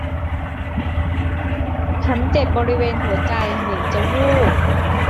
ฉันเจ็บบริเวณหัวใจเหมือนจะวูบ